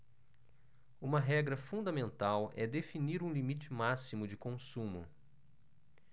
uma regra fundamental é definir um limite máximo de consumo